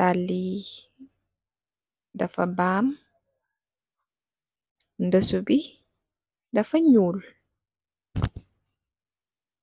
Daalë yi, dafa baam, Ndësu bi, dafa ñuul.